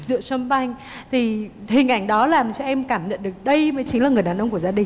rượu sâm banh thì hình ảnh đó làm cho em cảm nhận được đây mới chính là người đàn ông của gia đình